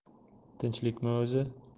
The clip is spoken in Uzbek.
tinchlikmi o'zi